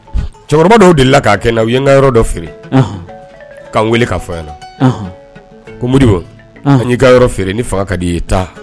Cɛkɔrɔba dɔw de la k'a kɛ u ye n ka yɔrɔ dɔ feere k'an weele ka fɔ la ko an ka yɔrɔ feere ni faga ka di i ye taa